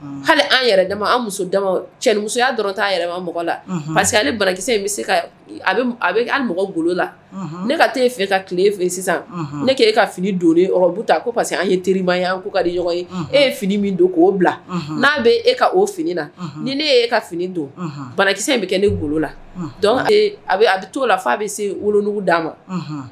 Hali muso cɛmusoya dɔrɔn' yɛrɛ mɔgɔ la parce que ale barakisɛ mɔgɔ golo la ne ka taa e fini ka tile sisan ne ke ka fini donbu ta parce que an ye teri ye' ka ɲɔgɔn ye e ye fini min don k'o bila n' bɛ e ka o fini na ni nee ka fini don banakisɛ in bɛ kɛ ne golo la a t' o la bɛ se wu wolodugu d'a ma